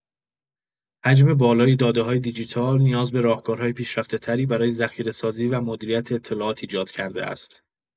حجم بالای داده‌های دیجیتال، نیاز به راهکارهای پیشرفته‌تری برای ذخیره‌سازی و مدیریت اطلاعات ایجاد کرده است.